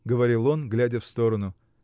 — говорил он, глядя в сторону.